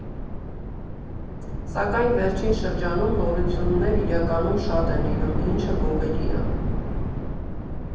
Սակայն վերջին շրջանում նորություններ իրականում շատ են լինում, ինչը գովելի ա։